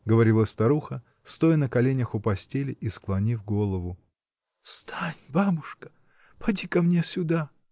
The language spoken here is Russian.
— говорила старуха, стоя на коленях у постели и склонив голову. — Встань, бабушка!. Поди ко мне сюда!.